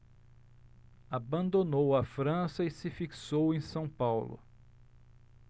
abandonou a frança e se fixou em são paulo